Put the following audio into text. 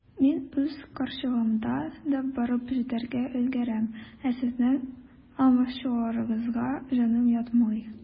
Мин үз карчыгымда да барып җитәргә өлгерәм, ә сезнең алмачуарыгызга җаным ятмый.